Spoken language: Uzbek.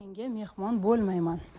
senga mehmon bo'lmayman